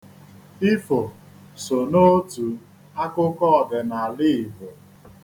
Ifo so n'otu akuko odinaala.